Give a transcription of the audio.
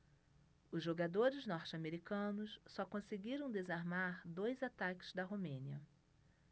os jogadores norte-americanos só conseguiram desarmar dois ataques da romênia